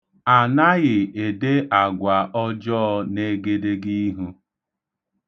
A naghị ede agwa ọjọọ n'egedegiihu.